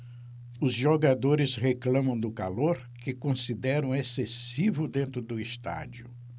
os jogadores reclamam do calor que consideram excessivo dentro do estádio